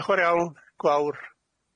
Diolch yn fawr, Gwawr.